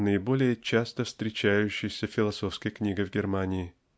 наиболее часто встречающейся философской книгой в Германии.